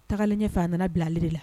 Tagalen ɲɛ fa a nana bila ale de la